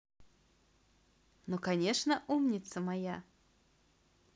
ну конечно умница моя